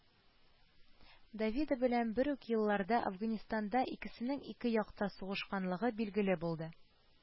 Давидо белән бер үк елларда Әфганстанда икесенең ике якта сугышканлыгы билгеле булды